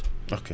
ok